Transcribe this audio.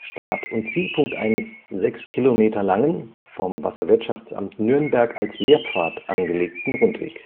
Start - und Zielpunkt eines sechs Kilometer langen, vom Wasserwirtschaftsamt Nürnberg als Lehrpfad angelegten Rundwegs